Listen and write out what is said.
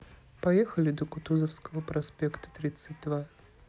поехали до кутузовского проспекта тридцать два